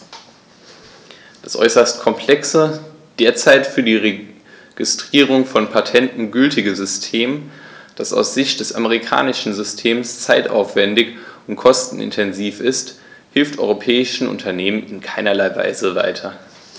Das äußerst komplexe, derzeit für die Registrierung von Patenten gültige System, das aus Sicht des amerikanischen Systems zeitaufwändig und kostenintensiv ist, hilft europäischen Unternehmern in keinerlei Weise weiter.